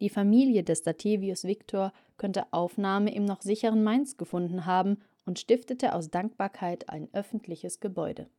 Familie des Dativius Victor könnte Aufnahme im noch sicheren Mainz gefunden haben und stiftete aus Dankbarkeit ein öffentliches Gebäude